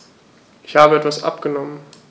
Ich habe etwas abgenommen.